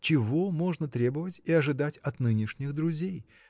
чего можно требовать и ожидать от нынешних друзей